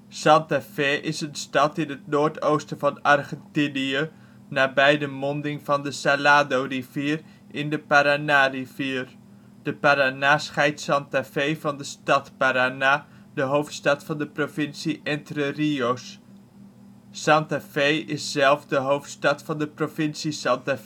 Santa Fe is een stad in het noordoosten van Argentinië nabij de monding van de Saladorivier in de Paranárivier. De Paraná scheidt Santa Fe van de stad Paraná, de hoofdstad van de provincie Entre Rios. Santa Fe is zelf de hoofdstad van de provincie Santa